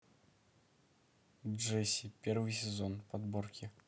джесси первый сезон подборки